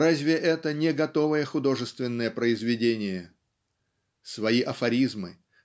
разве это не готовое художественное произведение? Свои афоризмы